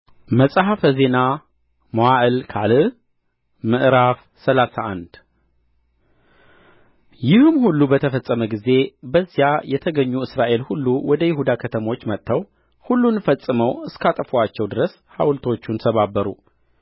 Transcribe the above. መጽሐፈ ዜና መዋዕል ካልዕ ምዕራፍ ሰላሳ አንድ ይህም ሁሉ በተፈጸመ ጊዜ በዚያ የተገኙ እስራኤል ሁሉ ወደ ይሁዳ ከተሞች ወጥተው ሁሉን ፈጽመው እስካጠፉአቸው ድረስ ሐውልቶቹን ሰባበሩ